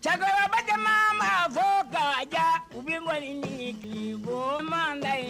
Cɛkɔrɔbabakɛ ma fo ka ja u bɛ bɔ ninbon mada